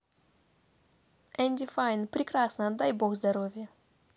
andy fine прекрасно дай бог здоровья